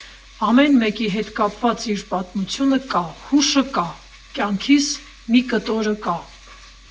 Ամեն մեկի հետ կապված իր պատմությունը կա, հուշը կա, կյանքիս մի կտորը կա։